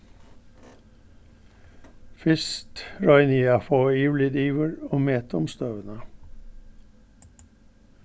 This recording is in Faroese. fyrst royni eg at fáa yvirlit yvir og meta um støðuna